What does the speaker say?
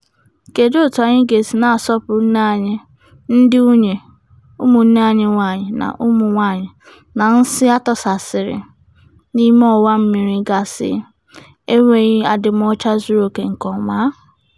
Kedu otu anyị ga-esi na-asọpụrụ nne anyị, ndị nwunye, ụmụnne anyị nwaanyị na ụmụ nwaanyị na nsị atụsasịrị n'ime ọwa mmiri gasị - enweghị adịmọcha zuruoke nkeọma?